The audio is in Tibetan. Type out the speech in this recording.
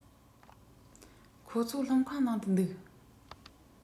ཁོ ཚོ སློབ ཁང ནང དུ འདུག